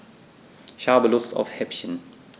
Ich habe Lust auf Häppchen.